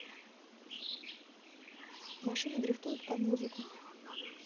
машины дрифтуют под музыку